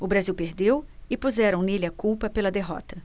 o brasil perdeu e puseram nele a culpa pela derrota